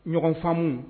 Ɲɔgɔn faamumu